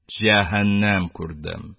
Җәһәннәм күрдем,